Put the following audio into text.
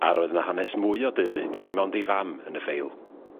A roedd 'na hanes mwy o deulu na dim ond ei fam yn y ffeil.